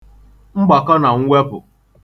mgbàkọnàmwepụ̀